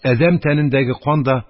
Адәм тәнендәге кан да